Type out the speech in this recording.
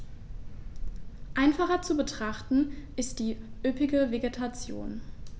Einfacher zu betrachten ist die üppige Vegetation.